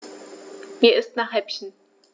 Mir ist nach Häppchen.